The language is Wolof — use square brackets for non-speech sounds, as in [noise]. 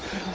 [hesitation] [hesitation]